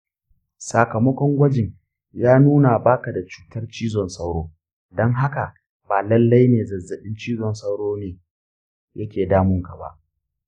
sakamakon gwajin ya nuna ba ka da cutar cizon sauro, don haka ba lallai ne zazzaɓin cizon sauro ne yake damunka ba.